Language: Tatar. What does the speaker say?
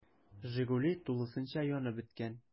“жигули” тулысынча янып беткән.